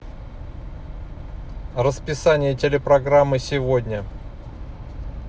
расписание телепрограммы сегодня